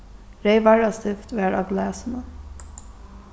reyð varrastift var á glasinum